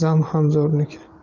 zan ham zo'rniki